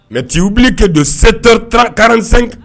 Mais tu oublies que de 7 heures 30, 45